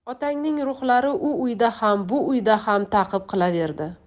otangning ruhlari u uyda ham bu uyda ham ta'qib qilaverdi